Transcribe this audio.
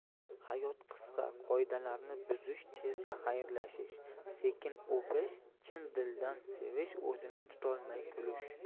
hayot qisqa qoidalarni buzish tezda xayrlashish sekin o'pish chin dildan sevish o'zini tutolmay kulish